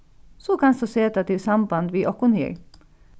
so kanst tú seta teg í samband við okkum her